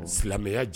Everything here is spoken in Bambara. Silamɛya jan